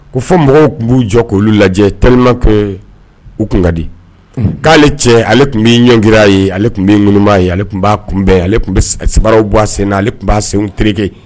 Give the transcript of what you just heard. Ko fɔ mɔgɔw tun b'u jɔ k' oluolu lajɛ tamakɛ u kan kadi k'ale cɛ ale tun bɛ ɲɔngjira ye ale tun bɛ ŋmaa ye ale tun b'a kunbɛn ale tun bɛ samaraww bɔ a sen ale tun b' sen terike